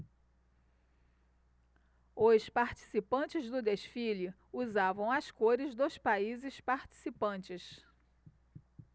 os participantes do desfile usavam as cores dos países participantes